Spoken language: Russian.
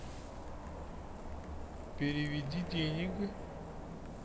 переведи денег